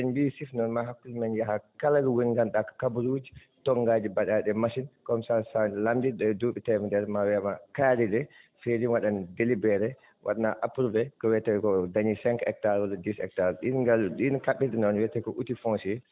sen mbi SIF noon maa hakkille men yaha kala ɗo woni ngannduɗaa kabaruuji toŋngaaɗi mbaɗaaɗi e machine comme ça so a lamdiima ɗo e duuɓi teemedere ma wiiyamaa kaari ndee feeri wanɗande délibéré waɗanaa approuvé ko wiyetee ko dañii cinq hectares walla dix hectares ɗin ngal ɗin kaɓirɗe noon wiite ko outil foncier